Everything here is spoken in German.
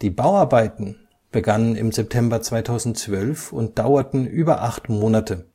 Bauarbeiten begannen im September 2012 und dauerten über acht Monate